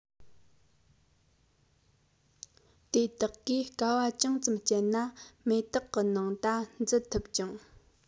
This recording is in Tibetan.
དེ དག གིས དཀའ བ ཅུང ཙམ སྤྱད ན མེ ཏོག གི ནང ད འཛུལ ཐུབ ཀྱང